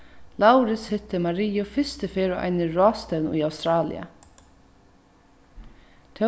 laurits hitti mariu fyrstu ferð á eini ráðstevnu í australia